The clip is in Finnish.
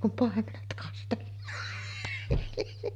kun paimenet kastellaan